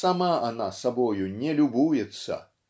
Сама она собою не любуется.